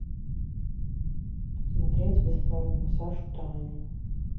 смотреть бесплатно сашу таню